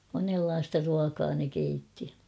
monenlaista ruokaa ne keitti